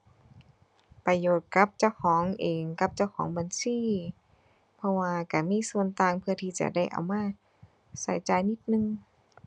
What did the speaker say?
ประโยชน์กับเจ้าของเองกับเจ้าของบัญชีเพราะว่าก็มีส่วนต่างเพื่อที่จะได้เอามาก็จ่ายนิดหนึ่ง